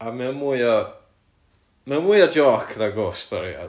a ma' o'n mwy o... ma'n mwy o jôc na ghost story iawn